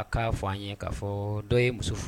A ka fɔ an ye ka fɔ dɔ ye muso furu.